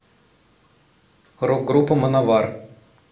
рок группа мановар